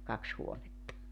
kaksi huonetta